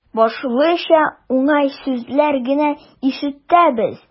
Башлыча, уңай сүзләр генә ишетәбез.